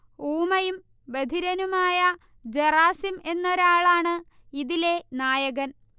ഊമയും ബധിരനുമായ ജറാസിം എന്നൊരാളാണ് ഇതിലെ നായകൻ